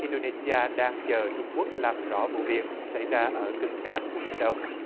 in đô nê xi a đang chờ trung quốc làm rõ vụ việc xảy ra ở cực nam của biển đông